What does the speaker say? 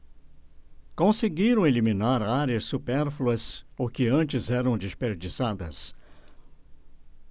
conseguiram eliminar áreas supérfluas ou que antes eram desperdiçadas